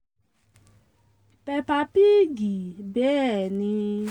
""Peppa the pig," bẹ́ẹ̀ni."